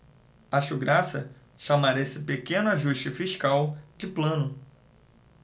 acho graça chamar esse pequeno ajuste fiscal de plano